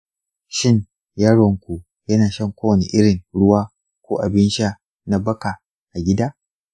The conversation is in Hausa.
shin yaronku yana shan kowane irin ruwa ko abin sha na baka a gida?